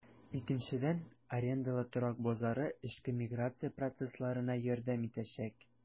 Икенчедән, арендалы торак базары эчке миграция процессларына ярдәм итәчәк.